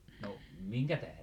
no minkä tähden